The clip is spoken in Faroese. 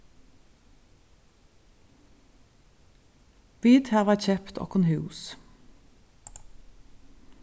vit hava keypt okkum hús